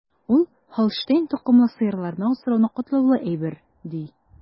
Ул Һолштейн токымлы сыерларны асрауны катлаулы әйбер, ди.